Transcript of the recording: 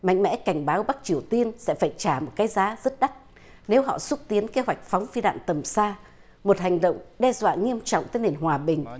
mạnh mẽ cảnh báo bắc triều tiên sẽ phải trả một cái giá rất đắt nếu họ xúc tiến kế hoạch phóng phi đạn tầm xa một hành động đe dọa nghiêm trọng tới nền hòa bình